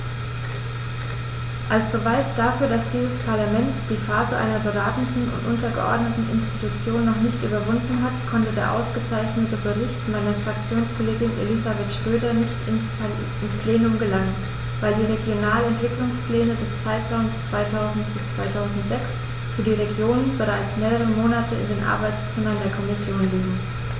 Als Beweis dafür, dass dieses Parlament die Phase einer beratenden und untergeordneten Institution noch nicht überwunden hat, konnte der ausgezeichnete Bericht meiner Fraktionskollegin Elisabeth Schroedter nicht ins Plenum gelangen, weil die Regionalentwicklungspläne des Zeitraums 2000-2006 für die Regionen bereits mehrere Monate in den Arbeitszimmern der Kommission liegen.